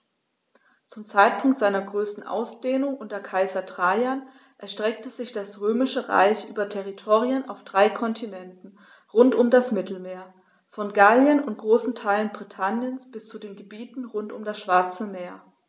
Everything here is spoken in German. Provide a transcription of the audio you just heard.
Zum Zeitpunkt seiner größten Ausdehnung unter Kaiser Trajan erstreckte sich das Römische Reich über Territorien auf drei Kontinenten rund um das Mittelmeer: Von Gallien und großen Teilen Britanniens bis zu den Gebieten rund um das Schwarze Meer.